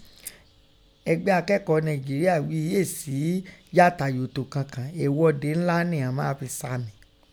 Ẹgbẹ́ Akẹ́kọ̀ọ́ Nàínjeríà ghí è sí yàtàyòtò kankàn, ẹ̀ẹghọ̀de ńla nìghọn máa fi ṣàmì.